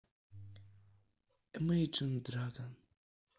имейджен драгон